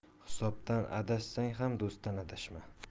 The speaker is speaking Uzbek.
hisobdan adashsang ham do'stdan adashma